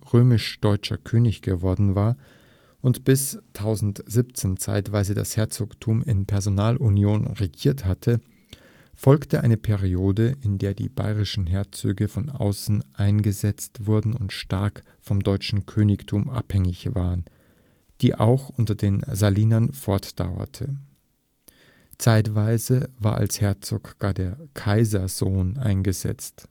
römisch-deutscher König geworden war und bis 1017 zeitweise das Herzogtum in Personalunion regiert hatte, folgte eine Periode, in der die bayerischen Herzöge von außen eingesetzt wurden und stark vom deutschen Königtum abhängig waren, die auch unter den Saliern fortdauerte. Zeitweise war als Herzog gar der Kaisersohn eingesetzt